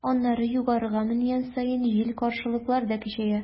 Аннары, югарыга менгән саен, җил-каршылыклар да көчәя.